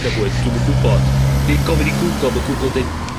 . Dwi'm yn gwbod. Ne' gofyn i Google a ma' Google deu'...